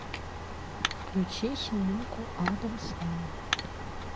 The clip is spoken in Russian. включи семейку адамс на